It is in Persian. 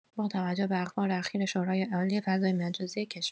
با توجه به اخبار اخیر شورای‌عالی فضای مجازی کشور